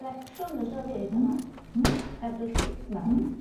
...lecsiwn yndo ddi pan ath... Hmm hmm. Edward Heath mewn. Hmm.